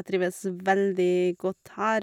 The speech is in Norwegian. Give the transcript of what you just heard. jeg trives veldig godt her.